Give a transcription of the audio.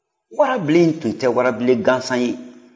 warabilen tun tɛ warabilen gansan ye